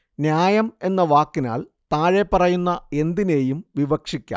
ന്യായം എന്ന വാക്കിനാൽ താഴെപ്പറയുന്ന എന്തിനേയും വിവക്ഷിക്കാം